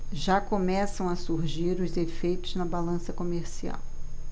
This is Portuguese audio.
já começam a surgir os efeitos na balança comercial